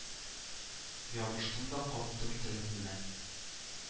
Ябыштым да каттым телем белән